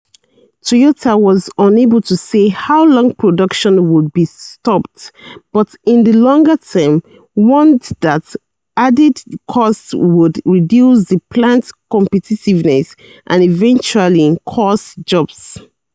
Toyota was unable to say how long production would be stopped, but in the longer term, warned that added costs would reduce the plant's competitiveness and eventually cost jobs.